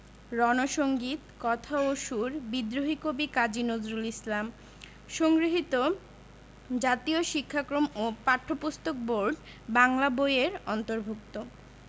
রন সঙ্গীত কথা ও সুর বিদ্রোহী কবি কাজী নজরুল ইসলাম সংগৃহীত জাতীয় শিক্ষাক্রম ও পাঠ্যপুস্তক বোর্ড বাংলা বই এর অন্তর্ভুক্ত